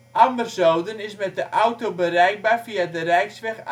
Ammerzoden is met de auto bereikbaar via de rijksweg